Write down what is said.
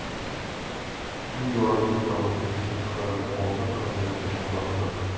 bu joriy yil davomida ishlab chiqarilgan oltin hajmidan kamroqdir